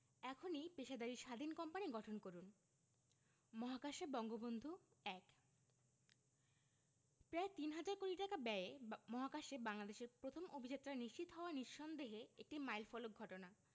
এখনই পেশাদারি স্বাধীন কোম্পানি গঠন করুন মহাকাশে বঙ্গবন্ধু ১ প্রায় তিন হাজার কোটি টাকা ব্যয়ে মহাকাশে বাংলাদেশের প্রথম অভিযাত্রা নিশ্চিত হওয়া নিঃসন্দেহে একটি মাইলফলক ঘটনা